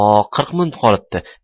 o qirq minut qolipti